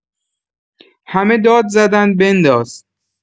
همه داد زدن بنداز.